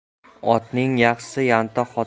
o'tinning yaxshisi yantoq